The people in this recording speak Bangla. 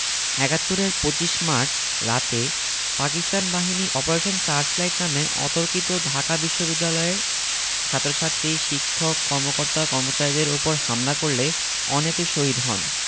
৭১ এর ২৫ মার্চ রাতে পাকিস্তান বাহিনী অপারেশন সার্চলাইট নামে অতর্কিত ঢাকা বিশ্ববিদ্যালয়ের ছাত্রছাত্রী শিক্ষক কর্মকর্তা কর্মচারীদের উপর হামলা করলে অনেকে শহীদ হন